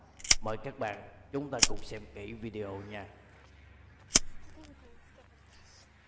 mời các bạn chúng ta cùng xem kỹ video nha